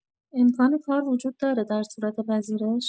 امکان کار وجود داره در صورت پذیرش؟